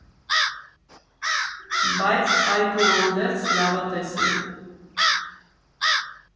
Բայց այդուհանդերձ լավատես է.